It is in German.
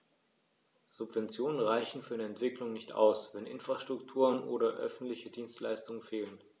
Subventionen reichen für eine Entwicklung nicht aus, wenn Infrastrukturen oder öffentliche Dienstleistungen fehlen.